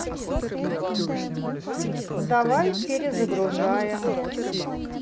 давай перезагружаем